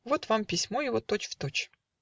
Вот вам письмо его точь-в-точь.